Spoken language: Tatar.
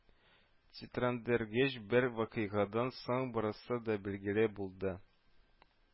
Тетрәндергеч бер вакыйгадан соң барысы да билгеле булды